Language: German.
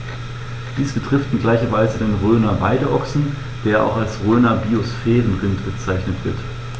Dies betrifft in gleicher Weise den Rhöner Weideochsen, der auch als Rhöner Biosphärenrind bezeichnet wird.